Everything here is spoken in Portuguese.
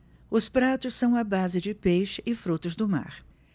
os pratos são à base de peixe e frutos do mar